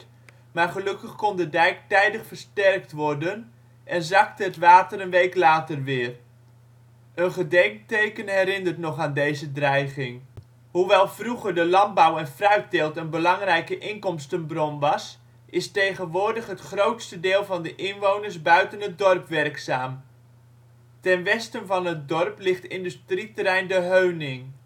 maar gelukkig kon de dijk tijdig versterkt worden en zakte het water een week later weer. Een gedenkteken herinnert nog aan deze dreiging. Hoewel vroeger de landbouw en fruitteelt een belangrijke inkomstenbron was, tegenwoordig is het grootste deel van de inwoners buiten het dorp werkzaam. Ten westen van het dorp ligt industrieterrein De Heuning